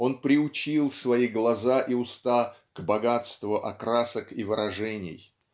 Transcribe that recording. он приучил свои глаза и уста к богатству окрасок и выражений.